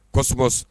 Kosɛbɛ